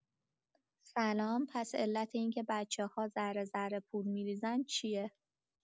سلام پس علت اینکه بچه‌ها ذره‌ذره پول می‌ریزن چیه